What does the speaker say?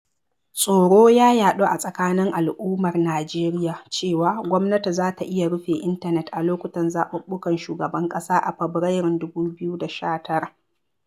Tsoro ya yaɗu a tsakanin al'ummar Najeriya cewa gwamnati za ta iya rufe intanet a lokutan zaɓuɓɓukan shugaban ƙasa a Fabarairun 2019.